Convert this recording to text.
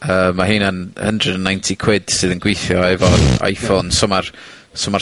Yy, ma' heina'n a hundred and ninety quid sydd yn gweithio efo'r... ...iphones, so ma'r, so ma'r